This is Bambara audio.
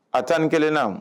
A tan ni kelen na